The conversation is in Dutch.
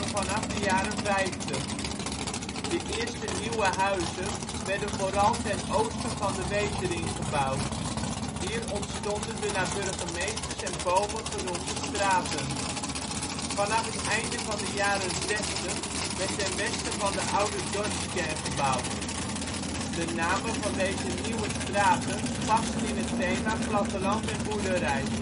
vanaf de jaren vijftig. De eerste nieuwe huizen werden vooral ten oosten van de Wetering gebouwd. Hier ontstonden de naar burgemeesters en bomen genoemde straten. Vanaf het einde van de jaren zestig werd ten westen van de oude dorpskern gebouwd. De namen van deze nieuwe straten passen in het thema platteland en boerderij